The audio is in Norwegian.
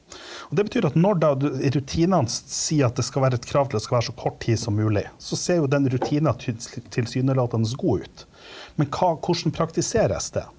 og det betyr at når da det rutinene sier at det skal være et krav til at det skal være så kort tid som mulig så ser jo den rutina tilsynelatende god ut, men hva hvordan praktiseres det?